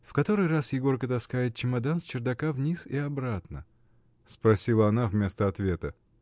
— В который раз Егорка таскает чемодан с чердака вниз и обратно? — спросила она вместо ответа.